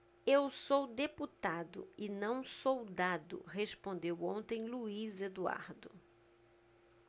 eu sou deputado e não soldado respondeu ontem luís eduardo